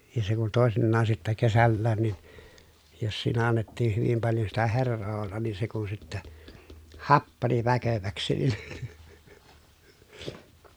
ja se kun toisinaan sitten kesälläkin niin jos siinä annettiin hyvin paljon sitä heraa olla niin se kun sitten happani väkeväksi niin